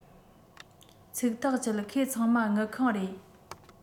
ཚིག ཐག བཅད ཁོས ཚང མ དངུལ ཁང རེད